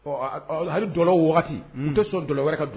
Ɔ hali dɔlɔ waati n tɛ sɔn dɔ wɛrɛ ka don